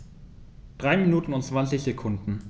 3 Minuten und 20 Sekunden